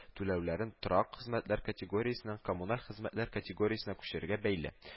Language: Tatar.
Түләүләрен торак хезмәтләр категориясеннән коммуналь хезмәтләр категориясенә күчерүгә бәйле